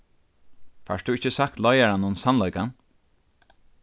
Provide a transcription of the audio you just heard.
fært tú ikki sagt leiðaranum sannleikan